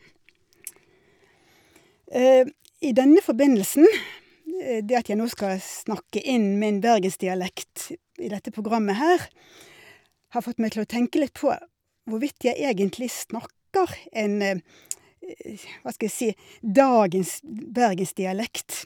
I denne forbindelsen, det at jeg nå skal snakke inn min bergensdialekt i dette programmet her, har fått meg til å tenke litt på hvorvidt jeg egentlig snakker en, ja, hva skal jeg si, dagens bergensdialekt.